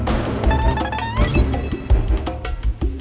ô kê